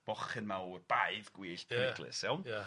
Mochyn mawr baedd gwyllt periglus... Ia. iawn? Ia.